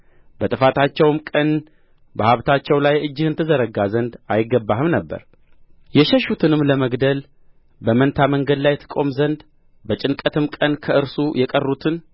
በጥፋታቸውም ቀን በሀብታቸው ላይ እጅህን ትዘረጋ ዘንድ አይገባህም ነበር የሸሹትንም ለመግደል በመንታ መንገድ ላይ ትቆም ዘንድ በጭንቀትም ቀን ከእርሱ የቀሩትን